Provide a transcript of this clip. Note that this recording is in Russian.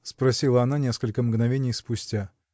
-- спросила она несколько мгновений спустя.